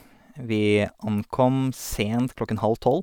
Vi ankom sent klokken halv tolv.